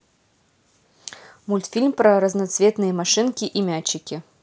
мультфильм про разноцветные машинки и мячики